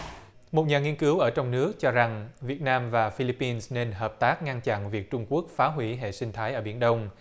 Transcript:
một nhà nghiên cứu ở trong nước cho rằng việt nam và phi líp bin nên hợp tác ngăn chặn việc trung quốc phá hủy hệ sinh thái ở biển đông